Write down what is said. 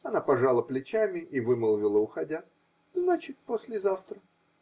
Она пожала плечами и вымолвила, уходя: -- Значит, послезавтра.